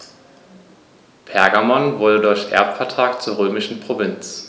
Pergamon wurde durch Erbvertrag zur römischen Provinz.